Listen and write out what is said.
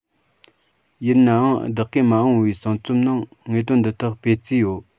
ཡིན ནའང བདག གིས མ འོངས པའི གསུང རྩོམ ནང དངོས དོན འདི དག སྤེལ རྩིས ཡོད